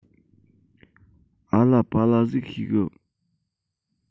ཨ ལ པ ལ ཟིག ཤེས གི